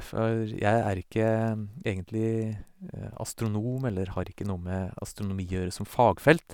For jeg er ikke egentlig astronom eller har ikke noe med astronomi å gjøre som fagfelt.